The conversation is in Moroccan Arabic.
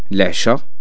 لعشا